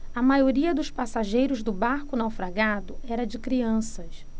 a maioria dos passageiros do barco naufragado era de crianças